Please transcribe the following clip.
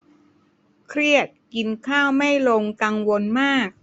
เครียดกินข้าวไม่ลงกังวลมาก